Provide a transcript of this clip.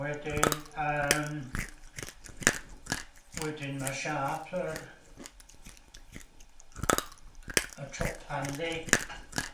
Wedyn yym wedyn ma' siâp yr y chopan yndi?